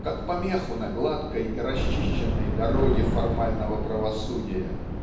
как помеху на гладкой и расчищенной дороге формального правосудия.